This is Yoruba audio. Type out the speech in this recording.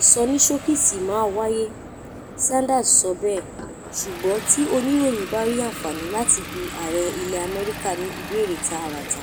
Ìsọnísókí sì máa wáyé, Sanders sọ bẹ́ẹ̀, ṣùgbọ́n “tí oníròyìn bá rí àǹfààní láti bi ààrẹ ilẹ̀ Amẹ́ríkà ní ìbéèrè tààràtà,